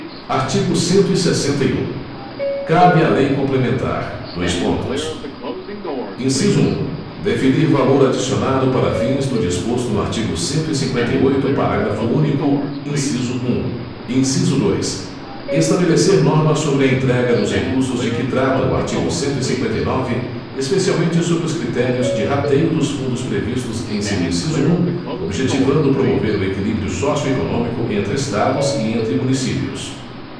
artigo cento e sessenta e um cabe à lei complementar dois pontos inciso um definir valor adicionado para fins do disposto no artigo cento e cinquenta e oito parágrafo único inciso um inciso dois estabelecer normas sobre a entrega dos recursos de que trata o artigo cento e cinquenta e nove especialmente sobre os critérios de rateio dos fundos previstos em seu inciso um objetivando promover o equilíbrio sócio econômico entre estados e entre municípios